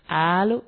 Aa